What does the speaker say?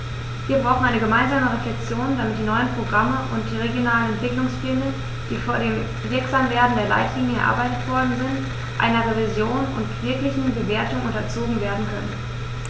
Wir brauchen eine gemeinsame Reflexion, damit die neuen Programme und die regionalen Entwicklungspläne, die vor dem Wirksamwerden der Leitlinien erarbeitet worden sind, einer Revision und wirklichen Bewertung unterzogen werden können.